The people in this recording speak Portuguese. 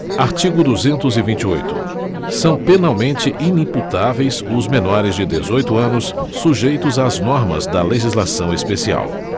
artigo duzentos e vinte e oito são penalmente inimputáveis os menores de dezoito anos sujeitos às normas da legislação especial